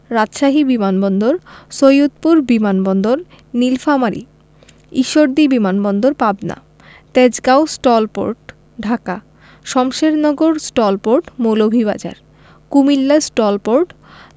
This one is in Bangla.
রাজশাহী বিমান বন্দর সৈয়দপুর বিমান বন্দর নিলফামারী ঈশ্বরদী বিমান বন্দর Pabna Tejgaon STOL port Dhaka Shamshernagar STOL port Moulvibazar Comilla STOL port